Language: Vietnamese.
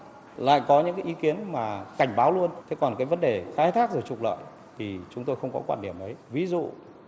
lại có những ý kiến mà cảnh báo luôn thế còn cái vấn đề khai thác để trục lợi thì chúng tôi không có quan điểm ấy ví dụ